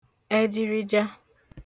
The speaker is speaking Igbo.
ẹjịrịja